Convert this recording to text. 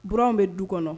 Buranw bɛ du kɔnɔ.